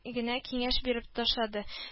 Генә киңәш биреп ташлады: